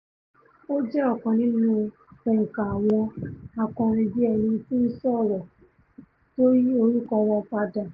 Ó jẹ́ ọ̀kan nínú òǹka àwọn akọrinbíẹnití-ńsọ̀rọ̀ tó yí orúkọ wọn padà.